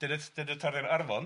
Dyna- dyna tarion Arfon.